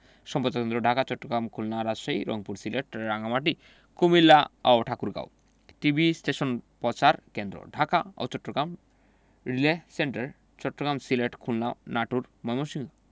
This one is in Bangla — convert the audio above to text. সম্প্রচার কেন্দ্রঃ ঢাকা চট্টগ্রাম খুলনা রাজশাহী রংপুর সিলেট রাঙ্গামাটি কুমিল্লা ও ঠাকুরগাঁও টিভি স্টেশন সম্প্রচার কেন্দ্রঃ ঢাকা ও চট্টগ্রাম রিলে সেন্টার চট্টগ্রাম সিলেট খুলনা নাটোর ময়মনসিংহ